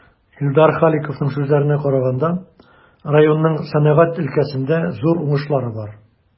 Илдар Халиковның сүзләренә караганда, районның сәнәгать өлкәсендә зур уңышлары бар.